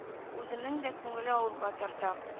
Үземнең дә күңел авылга тарта